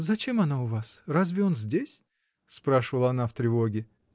— Зачем оно у вас: разве он здесь? — спрашивала она в тревоге.